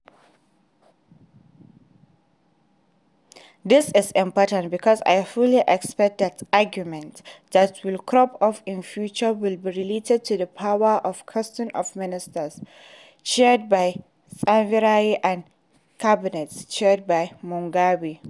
This is important because I fully expect that arguments that will crop up in future will be related to the powers of the Council of Ministers, chaired by Tsvangirai, and Cabinet, chaired by Mugabe.